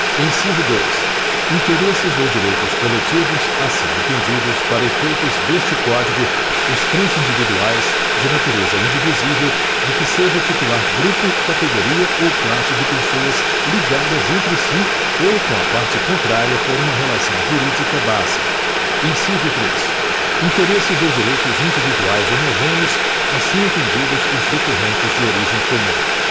inciso dois interesses ou direitos coletivos assim entendidos para efeitos deste código os transindividuais de natureza indivisível de que seja titular grupo categoria ou classe de pessoas ligadas entre si ou com a parte contrária por uma relação jurídica base inciso três interesses ou direitos individuais homogêneos assim entendidos os decorrentes de origem comum